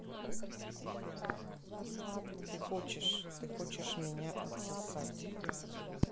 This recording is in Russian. ты хочешь ты хочешь меня отсосать